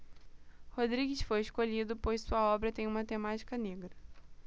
rodrigues foi escolhido pois sua obra tem uma temática negra